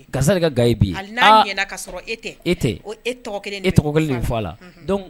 Ka ga e kelen fɔ a la